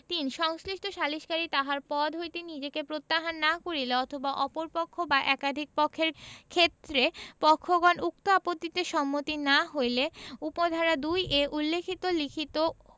৩ সংশ্লিষ্ট সালিসকারী তাহার পদ হইতে নিজেকে প্রত্যাহার না করিলে অথবা অপর পক্ষ বা একাধিক পক্ষের কেষত্রে পক্ষগণ উক্ত আপত্তিতে সম্মত না হইরে উপ ধারা ২ এ উল্লেখিত লিখিত